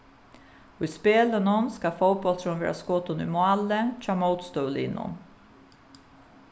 í spælinum skal fótbólturin verða skotin í málið hjá mótstøðuliðinum